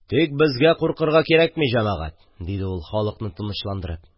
– тик безгә куркырга кирәкми, җәмәгать! – диде ул, халыкны тынычландырып.